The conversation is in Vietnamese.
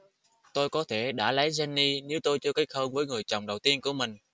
tôi có thể đã lấy jenny nếu tôi chưa kết hôn với người chồng đầu tiên của mình